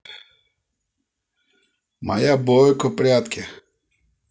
мия бойко прятки